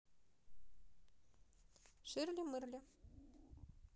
шырли мырли